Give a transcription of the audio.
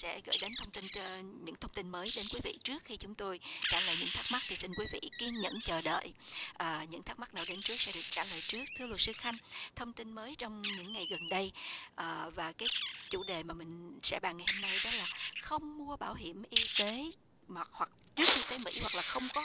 sẽ gửi đến thông tin trên những thông tin mới đến quý vị trước khi chúng tôi trả lời những thắc mắc thì xin quý vị kiên nhẫn chờ đợi ờ những thắc mắc nào đến trước sẽ được trả lời trước thưa luật sư khanh thông tin mới trong những ngày gần đây ờ và cái chủ đề mà mình sẽ bàn ngày hôm nay đó là không mua bảo hiểm y tế mà hoặc trước khi tới mỹ hoặc là không có